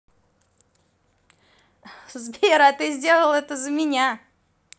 сбер а ты сделай это за меня